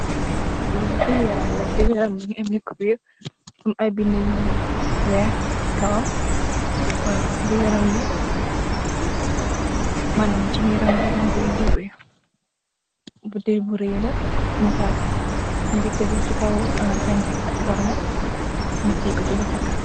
Li dew yaram la dew yaram bi mogi ameh cuber am ay bena yu weex si kawam waw dew yarambi manam si yaram bi len koi dewe botal bu reeg la mu gata mogi tegu si kaw tanki boromam mo tiyeh ko si loxo ga.